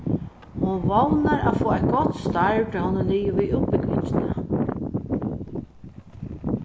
hon vónar at fáa eitt gott starv tá hon er liðug við útbúgvingina